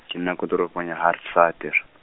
ke nna kwa toropong ya Hartswater.